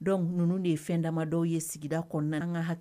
Dɔnku ninnu de ye fɛn dama dɔw ye sigida kɔnɔ an ka hakɛ